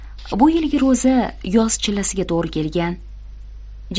bu yilgi ro'za yoz chillasiga to'g'ri kelgan